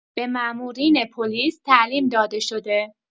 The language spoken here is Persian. به مامورین پلیس تعلیم داده شده